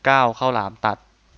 เก้าข้าวหลามตัด